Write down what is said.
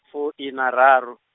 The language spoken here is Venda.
fu iina raru.